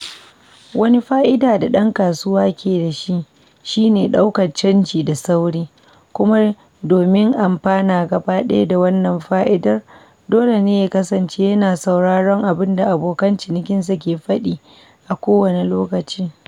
Wani fa'ida da ɗan kasuwa ke da shi, shi ne daukar canji da sauri, kuma domin ya amfana gaba ɗaya da wannan fa'idar dole ne ya kasance yana sauraron abin da abokan cinikinsa ke faɗi a kowane lokaci.